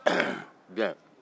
ɛɛkɛmu biɲɛ